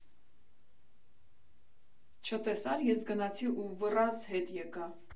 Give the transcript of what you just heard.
֊ Չտեսա՞ր՝ ես գնացի ու վռ ազ հետ եկա։